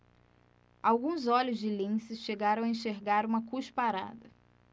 alguns olhos de lince chegaram a enxergar uma cusparada